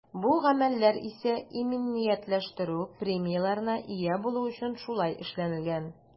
Бу гамәлләр исә иминиятләштерү премияләренә ия булу өчен шулай эшләнгән.